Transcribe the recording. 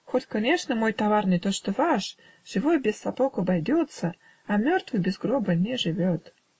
Хоть, конечно, мой товар не то, что ваш: живой без сапог обойдется, а мертвый без гроба не живет".